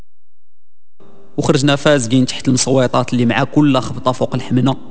وخرجنا فازلين تحت المستويات اللي معك لخبطه فوق الحمل